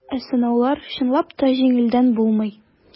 Ә сынаулар, чынлап та, җиңелдән булмый.